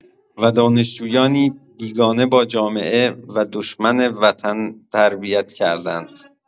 و دانشجویانی بیگانه با جامعه و دشمن وطن تربیت کردند!